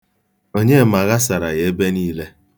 Onyema ghasara ya ebe niile.